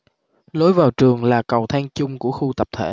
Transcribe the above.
lối vào trường là cầu thang chung của khu tập thể